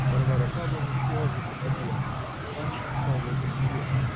Варвара Павловна села за фортепьяно. Паншин стал возле нее.